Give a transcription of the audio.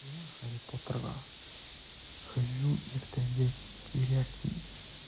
Сиңа Һарри Поттерга һөҗүм итәргә кирәкми.